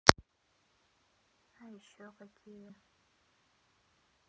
а еще какие